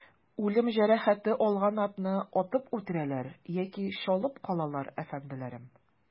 Үлем җәрәхәте алган атны атып үтерәләр яки чалып калалар, әфәнделәрем.